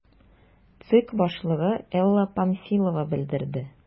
ЦИК башлыгы Элла Памфилова белдерде: